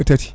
tati